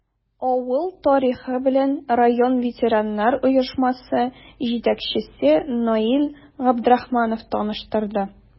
Авыл тарихы белән район ветераннар оешмасы җитәкчесе Наил Габдрахманов таныштырды.